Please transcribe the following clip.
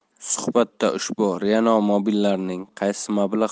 suhbatda ushbu reanomobillarning qaysi mablag'